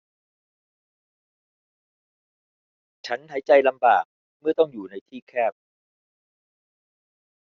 ฉันหายใจลำบากเมื่อต้องอยู่ในที่แคบ